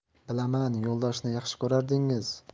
bilaman yo'ldoshni yaxshi ko'rardingiz